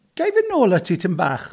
Ga i fynd nôl â ti, tipyn bach?